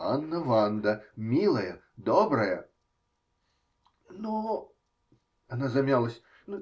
-- Панна Ванда, милая, добрая. -- Но. -- она замялась.